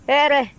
hɛrɛ